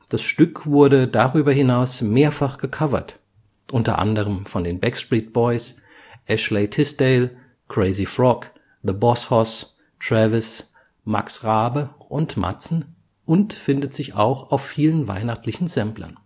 Das Stück wurde darüber hinaus mehrfach gecovert, unter anderem von den Backstreet Boys, Ashley Tisdale, Crazy Frog, The BossHoss, Travis, Max Raabe und Madsen, und findet sich auch auf vielen weihnachtlichen Samplern